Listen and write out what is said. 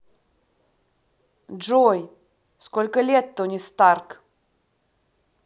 джой сколько лет тони старк